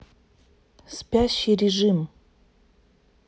спящий режим